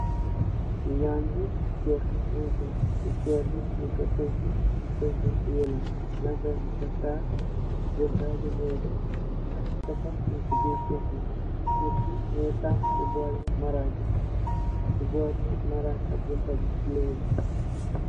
Nyarri keur nyung fa, ci keur bi nyung ku paintur, paintur bu yellow, lampa yi nyung ku taal. Ak cocoa mung ci birr keur bi, mungi tahaw ci bori maraj bi nga am bunta bu bulo.